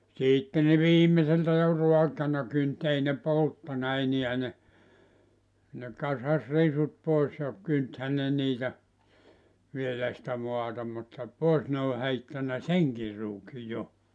sitten ne viimeiseltä jo raakana kynsi ei ne polttanut enää ne ne kasasi risut pois ja kyntihän ne niitä vielä sitä maata mutta pois ne oli heittänyt senkin ruukin jo